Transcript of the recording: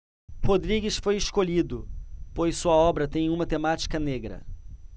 rodrigues foi escolhido pois sua obra tem uma temática negra